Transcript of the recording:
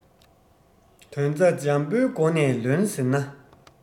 དོན རྩ འཇམ པོའི སྒོ ནས ལོན ཟེར ན